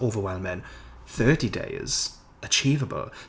overwhelming. Thirty days? Achievable.